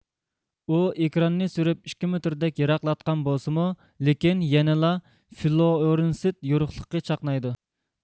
ئۇ ئېكراننى سۈرۈپ ئىككى مېتىردەك يىراقلاتقان بولسىمۇ لېكىن يەنىلا فلۇئورسېنت يورۇقلۇقى چاقنايدۇ